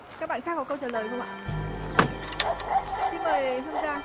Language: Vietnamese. các bạn khác có câu trả lời không ạ xin mời hương giang